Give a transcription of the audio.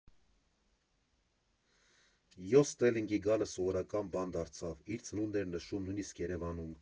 Յոս Ստելինգի գալը սովորական բան դարձավ, իր ծնունդն էր նշում նույնիսկ Երևանում։